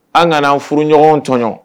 An kana furu ɲɔgɔn tɔɔn